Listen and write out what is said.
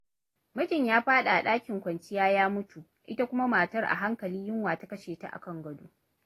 Mijin ya faɗi a ɗakin kwanciya ya mutu, ita kuma matar a hankali yunwa ta kashe ta a kan gado.